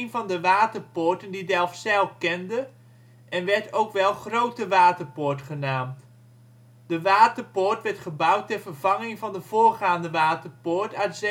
van de waterpoorten die Delfzijl kende en werd ook wel Grote Waterpoort genaamd. De Waterpoort werd gebouwd ter vervanging van de voorgaande waterpoort uit 1715